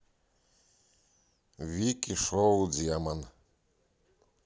вики шоу демон